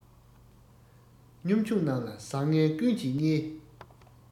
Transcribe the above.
གཉོམ ཆུང རྣམས ལ བཟང ངན ཀུན གྱིས བརྙས